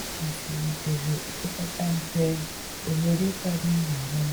Rochies ritere opekata mpe ohere kaadị nhọrọ